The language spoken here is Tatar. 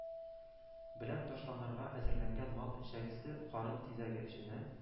Белән ташланырга әзерләнгән мал эчәгесе, карын тизәге эченә